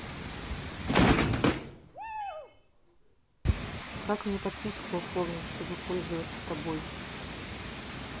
как мне подписку оформить чтобы пользоваться тобой